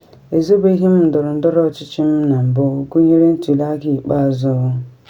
Ezobeghị m ndọrọndọrọ ọchịchị m na mbụ, gụnyere ntuli aka ikpeazụ.